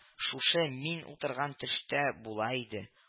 Шушы мин утырган төштә була иде